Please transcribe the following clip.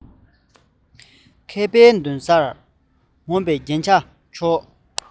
མཁས པའི མདུན སར ངོམས པའི རྒྱན གྱི མཆོག